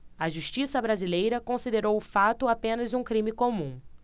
a justiça brasileira considerou o fato apenas um crime comum